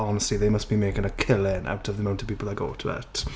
Honestly, they must be making a killing out of the amount of people that go to it.